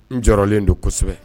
N jɔyɔrɔlen don kosɛbɛ